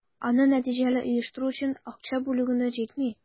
Аны нәтиҗәле оештыру өчен акча бүлү генә җитми.